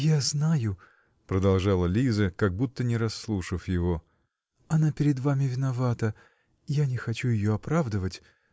-- Я знаю, -- продолжала Лиза, как будто не расслушав его, -- она перед вами виновата, я не хочу ее оправдывать